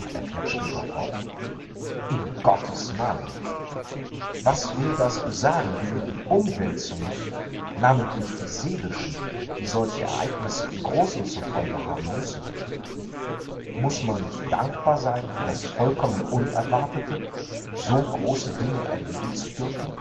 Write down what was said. er fährt später fort: „ In Gottes Namen! Was will das besagen gegen die Umwälzungen, namentlich die seelischen, die solche Ereignisse im Großen zur Folge haben müssen! Muß man nicht dankbar sein für das vollkommen Unerwartete, so große Dinge erleben zu dürfen